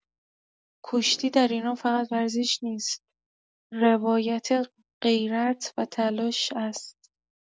کشتی در ایران فقط ورزش نیست، روایت غیرت و تلاش است.